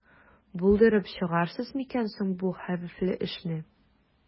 Булдырып чыгарсыз микән соң бу хәвефле эшне?